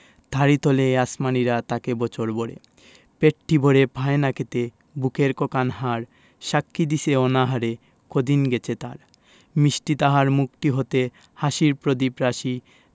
তারি তলে আসমানীরা থাকে বছর ভরে পেটটি ভরে পায় না খেতে বুকের ক খান হাড় সাক্ষী দিছে অনাহারে কদিন গেছে তার মিষ্টি তাহার মুখটি হতে হাসির প্রদীপ রাশি